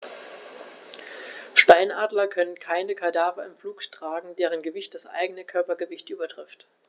Steinadler können keine Kadaver im Flug tragen, deren Gewicht das eigene Körpergewicht übertrifft.